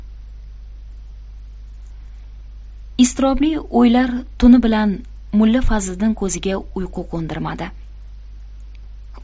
iztirobli o'ylar tuni bilan mulla fazliddin ko'ziga uyqu qo'ndirmadi